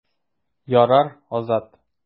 Ярар, Азат.